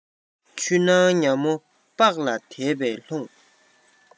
ཆུ ནང ཉ མོ སྤགས ལ དད པས ཕུང